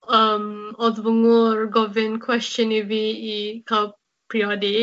yym odd fy ngŵr gofyn cwestiwn i fi i ca'l priodi